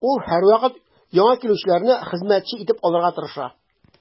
Ул һәрвакыт яңа килүчеләрне хезмәтче итеп алырга тырыша.